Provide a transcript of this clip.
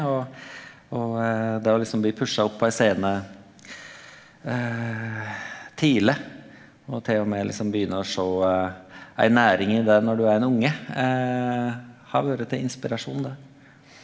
og og det å liksom bli pusha opp på ei scene tidleg og t.o.m. liksom begynne å sjå ei næring i det når du er ein unge har vore til inspirasjon det.